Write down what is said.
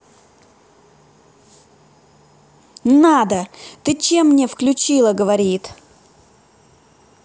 надо ты чем мне включила говорит